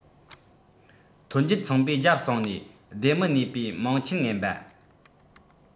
ཐོན འབྱེད ཚོང པས རྒྱབ གསང ནས སྡེར མི གནས པའི མིང ཆད ངན པ